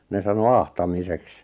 ne sanoi ahtamiseksi